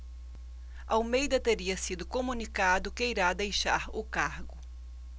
almeida teria sido comunicado que irá deixar o cargo